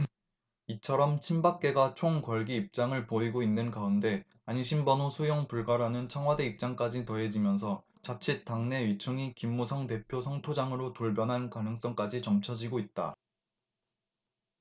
이처럼 친박계가 총궐기 입장을 보이고 있는 가운데 안심번호 수용불가라는 청와대 입장까지 더해지면서 자칫 당내 의총이 김무성 대표 성토장으로 돌변할 가능성까지 점쳐지고 있다